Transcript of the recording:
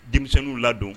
Denmisɛnninw ladon